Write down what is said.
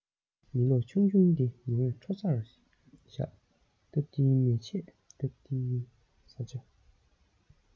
ཉི གློག ཆུང ཆུང དེ ཉི འོད འཕྲོ སར བཞག སྟབས བདེའི མལ ཆས སྟབས བདེའི བཟའ བཅའ